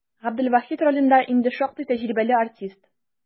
Габделвахит ролендә инде шактый тәҗрибәле артист.